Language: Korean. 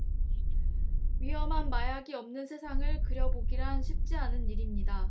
위험한 마약이 없는 세상을 그려 보기란 쉽지 않은 일입니다